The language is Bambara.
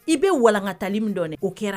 I bɛ walankatali min dɔn dɛ o kɛra